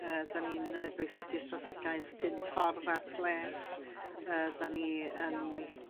yy 'dan ni'n yy gweithredu y strategaeth pum ffordd at les yy 'dan ni yn